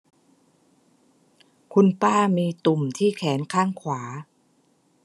คุณป้ามีตุ่มที่แขนข้างขวา